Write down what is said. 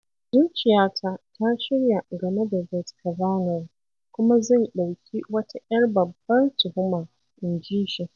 "Zuciyata ta shirya game da Brett Kavanaugh kuma zai ɗauki wata 'yar babbar tuhuma," inji shi.